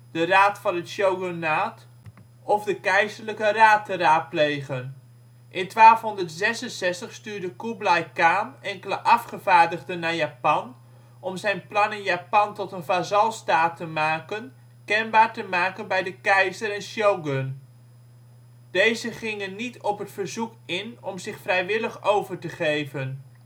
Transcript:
de raad van het shogunaat) of de keizerlijke raad te raadplegen. In 1266 stuurde Koeblai Khan enkele afgevaardigden naar Japan om zijn plannen Japan tot een vazalstaat te maken kenbaar te maken bij de keizer en shogun. Deze gingen niet op het verzoek in om zich vrijwillig over te geven